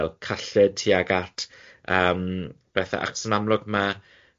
fel cyllid tuag at yym pethe achos yn amlwg ma' yy